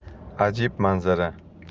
ajib manzara